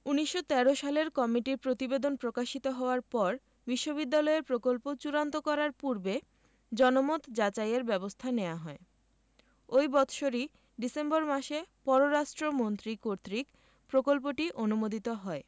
১৯১৩ সালের কমিটির প্রতিবেদন প্রকাশিত হওয়ার পর বিশ্ববিদ্যালয়ের প্রকল্প চূড়ান্ত করার পূর্বে জনমত যাচাইয়ের ব্যবস্থা নেওয়া হয় ঐ বৎসরই ডিসেম্বর মাসে পররাষ্ট্র মন্ত্রী কর্তৃক প্রকল্পটি অনুমোদিত হয়